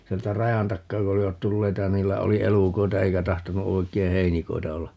sieltä rajan takaa kun olivat tulleita ja niillä oli elukoita eikä tahtonut oikein heinikoita olla